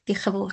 Dioch y' fowr.